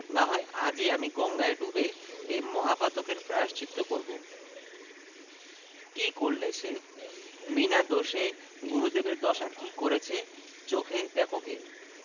না হয় আজই আমি গঙ্গায় ডুবে এ মহাপাতকের প্রায়শ্চিত্ত করব কি করলে সে বিনা দোষে গুরুদেবের দশা কি করেছে চোখে দেখোগে